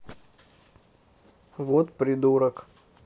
вот придурок